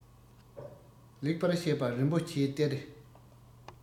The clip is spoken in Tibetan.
ལེགས པར བཤད པ རིན པོ ཆེའི གཏེར